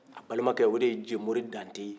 a balemakɛ o de ye jemori dantɛ ye